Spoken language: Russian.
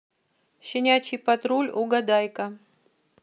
щенячий патруль угадайка